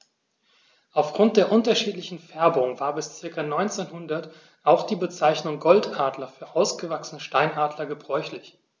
Auf Grund der unterschiedlichen Färbung war bis ca. 1900 auch die Bezeichnung Goldadler für ausgewachsene Steinadler gebräuchlich.